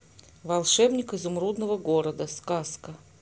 волшебник изумрудного города сказка